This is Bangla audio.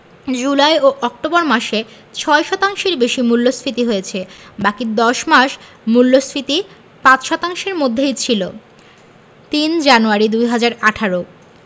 জুলাই ও অক্টোবর মাসে ৬ শতাংশের বেশি মূল্যস্ফীতি হয়েছে বাকি ১০ মাস মূল্যস্ফীতি ৫ শতাংশের মধ্যেই ছিল ০৩ জানুয়ারি ২০১৮